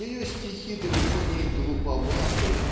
Ее стихи далеко не "глуповаты"